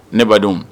Ne badenw